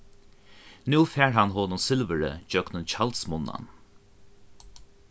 nú fær hann honum silvurið gjøgnum tjaldsmunnan